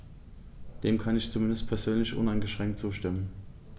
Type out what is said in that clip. Dem kann ich zumindest persönlich uneingeschränkt zustimmen.